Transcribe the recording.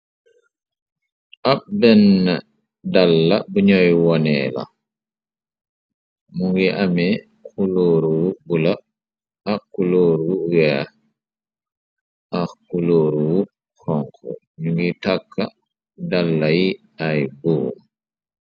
Ab benn dalla bu ñooy wone la mu ngi ame xulooruwu bu la ax ku lóoru geex ax kulóoru wu xonk nu ngi tàkka dalla yi ay buur.